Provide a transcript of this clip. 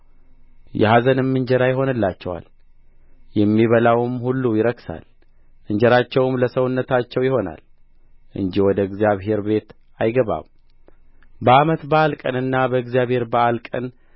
የኀዘንም እንጀራ ይሆንላቸዋል የሚበላውም ሁሉ ይረክሳል እንጀራቸውም ለሰውነታቸው ይሆናል እንጂ ወደ እግዚአብሔር ቤት አይገባም በዓመት በዓል ቀንና በእግዚአብሔር በዓል ቀን